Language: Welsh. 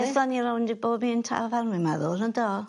Ethon ni rownd i bob un tafarn wi'n meddwl yndo?